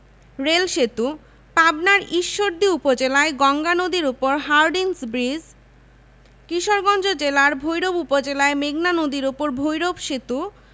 রেলপথ ২হাজার ৮৯১ কিলোমিটার নৌপথ ৮হাজার ৯০০ কিলোমিটার